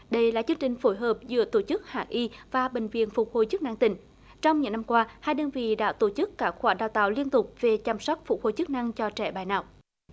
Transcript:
đây là chương trình phối hợp giữa tổ chức hà i và bệnh viện phục hồi chức năng tỉnh trong những năm qua hai đơn vị đã tổ chức các khóa đào tạo liên tục về chăm sóc phục hồi chức năng cho trẻ bại não